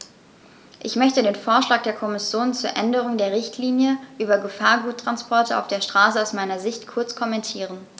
Ich möchte den Vorschlag der Kommission zur Änderung der Richtlinie über Gefahrguttransporte auf der Straße aus meiner Sicht kurz kommentieren.